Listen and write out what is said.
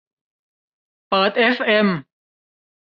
เปิดเอฟเอ็ม